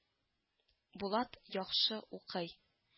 Булат яхшы укый